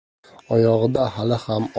oyog'ida hali ham